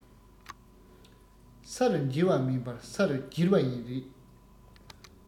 ས རུ འགྱེལ བ མིན པར ས རུ བསྒྱེལ བ རེད